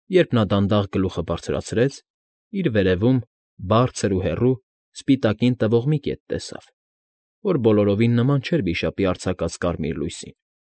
Երբ նա դանդաղ գլուխը բարձրացրեց, իր վերևում, բարձր ու հեռու, սպիտակին տվող մի կետ տեսավ, որ բոլորովին նման չէր վիշապի արձակած կարմիր լույսին։